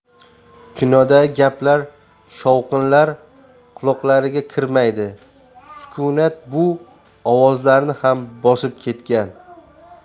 kinodagi gaplar shovqinlar quloqlariga kirmaydi sukunat bu ovozlarni ham bosib ketgan